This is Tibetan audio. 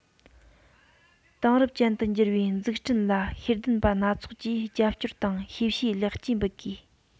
དེང རབས ཅན དུ འགྱུར བའི འཛུགས སྐྲུན ལ ཤེས ལྡན པ སྣ ཚོགས ཀྱིས རྒྱབ སྐྱོར དང ཤེས བྱའི ལེགས སྐྱེས འབུལ དགོས